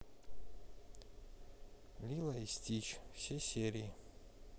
лило и стич все серии